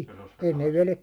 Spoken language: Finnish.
ne roskakalat